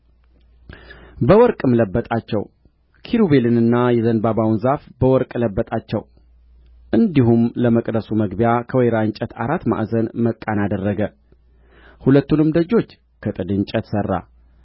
በወርቅም ለበጣቸው ኪሩቤልናና የዘንባባውን ዛፍ በወርቅ ለበጣቸው እንዲሁም ለመቅደሱ መግቢያ ከወይራ እንጨት አራት ማዕዘን መቃን አደረገ ሁለቱንም ደጆች ከጥድ እንጨት ሠራ